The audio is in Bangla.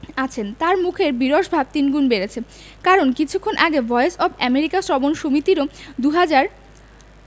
আছেন তাঁর মুখের বিরস ভাব তিনগুণ বেড়েছে কারণ কিছুক্ষণ আগে ভয়েস অব আমেরিকা শ্রবণ সমিতিও দু হাজার